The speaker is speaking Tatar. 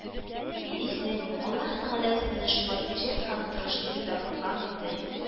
—ни дисең, аллаһы тәгалә сезне шулай үҗәт һәм тырыш итеп яраткан инде